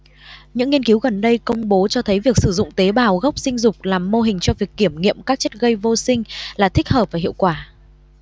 những nghiên cứu gần đây công bố cho thấy việc sử dụng tế bào gốc sinh dục làm mô hình cho việc kiểm nghiệm các chất gây vô sinh là thích hợp và hiệu quả